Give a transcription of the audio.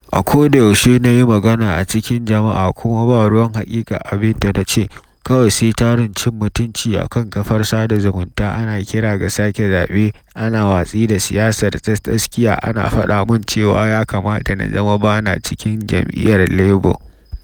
A kodayaushe na yi magana a cikin jama’a - kuma ba ruwan haƙiƙa abin da na ce - kawai sai tarun cin mutunci a kan kafar sadar zumunta ana kira ga sake zaɓe, ana watsi da siyasar ta tsakiya, ana faɗa mun cewa ya kamata na zama ba na cikin jam’iyyar Labour.